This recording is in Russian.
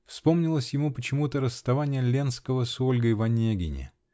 Вспомнилось ему почему-то расставание Ленского с Ольгой в "Онегине".